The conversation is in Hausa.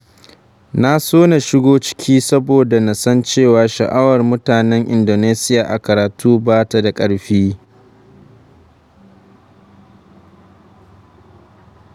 Na so na shigo ciki saboda na san cewa, sha'awar mutanen Indonesia a karatu ba ta da ƙarfi.